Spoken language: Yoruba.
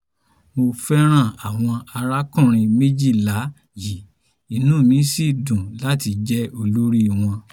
Mo fẹ́ran àwọn arákùnrin méjìlá yìí inú mi sì dùn láti jẹ́ olórí wọn.